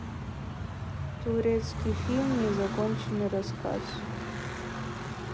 турецкий фильм незаконченный рассказ